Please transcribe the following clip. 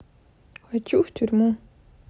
хочу в тюрьму